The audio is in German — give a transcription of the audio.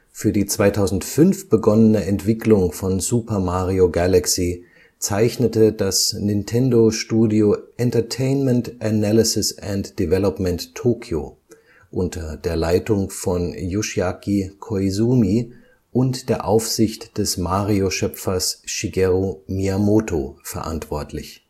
Für die 2005 begonnene Entwicklung von Super Mario Galaxy zeichnete das Nintendo-Studio Entertainment Analysis & Development Tokyo unter der Leitung von Yoshiaki Koizumi und der Aufsicht des Mario-Schöpfers Shigeru Miyamoto verantwortlich